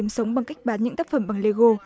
kiếm sống bằng cách bán những tác phẩm bằng lê gô